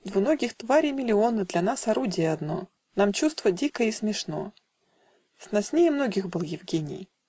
Двуногих тварей миллионы Для нас орудие одно Нам чувство дико и смешно. Сноснее многих был Евгений